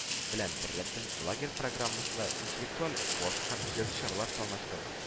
Белән беррәттән, лагерь программасында интеллектуаль, спорт һәм иҗади чаралар планлаштырылган –